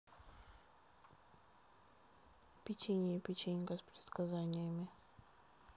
печенье печенька с предсказаниями